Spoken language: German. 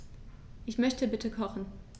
Ich möchte bitte kochen.